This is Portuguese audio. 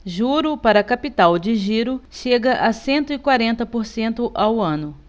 juro para capital de giro chega a cento e quarenta por cento ao ano